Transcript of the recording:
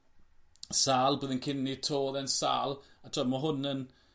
sâl blwyddyn cyn 'ny 'to odd e' sâl. A t'od ma' hwn yn